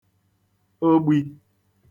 ogbī